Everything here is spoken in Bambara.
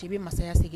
I bɛ mansaya sigi